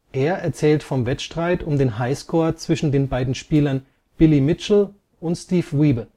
Er erzählt vom Wettstreit um den Highscore zwischen den beiden Spielern Billy Mitchell und Steve Wiebe